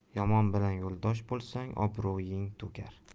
yomon bilan yo'ldosh bo'lsang obro'ying to'kar